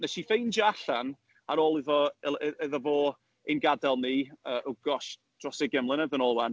Wnes i ffeindio allan, ar ôl iddo- il- i- i- iddo fo ein gadel ni, yy, oh gosh, dros ugain mlynedd yn ôl 'wan.